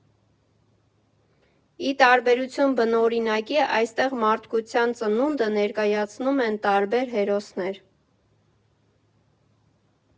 Ի տարբերություն բնօրինակի, այստեղ մարդկության ծնունդը ներկայացնում են տարբեր հերոսներ։